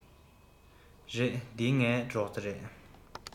རེད འདི ངའི སྒྲོག རྩེ རེད